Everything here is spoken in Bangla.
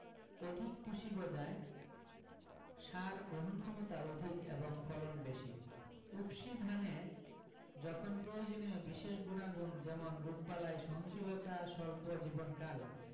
অধিক কুশি গজায় সার গ্রহণক্ষমতা অধিক এবং ফলন বেশি উফশী ধানে যখন প্রয়োজনীয় বিশেষ গুনাগুণ যেমন রোগবালাই সহনশীলতা স্বল্প জীবনকাল